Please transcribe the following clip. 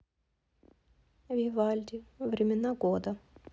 вивальди времена года